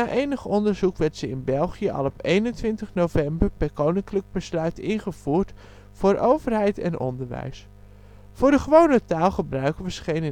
enig onderzoek werd ze in België al op 21 november per Koninklijk Besluit ingevoerd voor overheid en onderwijs. Voor de gewone taalgebruiker verscheen in